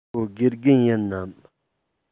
ཁྱོད དགེ རྒན ཡིན ནམ